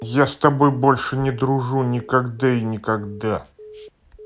я с тобой больше не дружу никогда и никогда